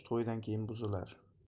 to'ydan keyin buzilar